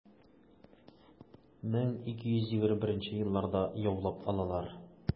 1221 елларда яулап алалар.